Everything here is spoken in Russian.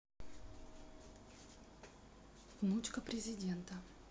внучка президента